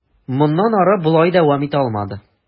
Моннан ары болай дәвам итә алмады.